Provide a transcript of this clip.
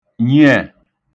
nyiẹ̀